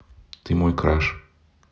ты мой краш